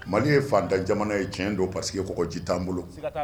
Mali ye fantanja ye tiɲɛ don basi ko ji t'an bolo